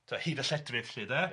ti'bod hud a lledrith 'lly de... Ia.